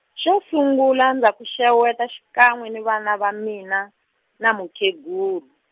xo sungula ndza ku xeweta xikan'we ni vana va mina, na mukhegulu.